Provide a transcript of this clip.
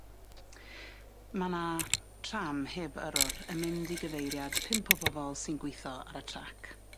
Ma' 'na tram heb yrwr yn mynd i gyfeiriad pump o bobol sy'n gwitho ar y trac.